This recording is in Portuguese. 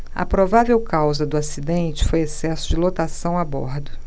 a provável causa do acidente foi excesso de lotação a bordo